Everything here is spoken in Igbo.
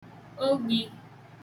ogbi